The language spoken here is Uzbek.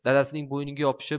dadasining bo'yniga yopishib